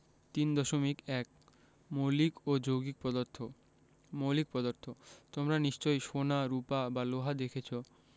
৩.১ মৌলিক ও যৌগিক পদার্থ মৌলিক পদার্থ তোমরা নিশ্চয় সোনা রুপা বা লোহা দেখেছ